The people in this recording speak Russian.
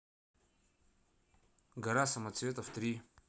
гора самоцветов три